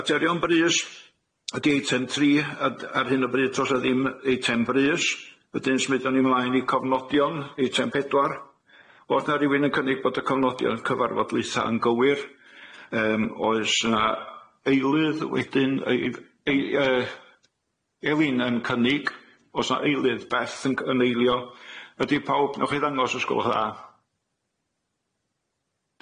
Materion brys ydi eitem tri a- d- ar hyn o bryd dos ne ddim eitem brys, wedyn smyddon ni mlaen i cofnodion, eitem pedwar, o'dd na rywun yn cynnig bod y cofnodion cyfarfod dwytha yn gywir, yym oes na eilydd wedyn ei- ei- yy Elin yn cynnig, o's na eilydd Beth yn cy- yn eilio, ydi pawb newch chi ddangos os gwelwch 'n dda? Diolch fowr.